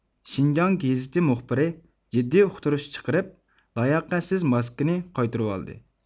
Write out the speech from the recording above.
شىنجاڭ گېزىتى مۇخبىرى جىددىي ئۇقتۇرۇش چىقىرىپ لاياقەتسىز ماسكىنى قايتۇرۇۋالدى